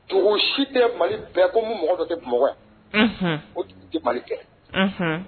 Togo si tɛ mali bɛɛ ko mɔgɔ dɔ tɛ bamakɔ o mali kɛ